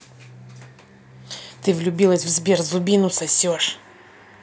ты влюбилась в сбер зубину сосешь